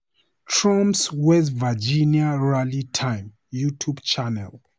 Trump's West Virginia Rally Time, YouTube Channel